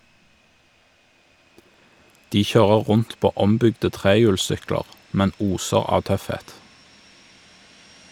De kjører rundt på ombygde trehjulssykler, men oser av tøffhet.